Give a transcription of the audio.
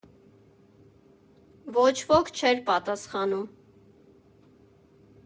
Ոչ ոք չէր պատասխանում։